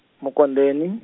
Mkondeni.